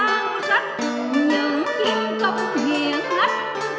tạc vào trí